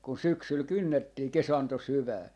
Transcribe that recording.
kun syksyllä kynnettiin kesanto syvään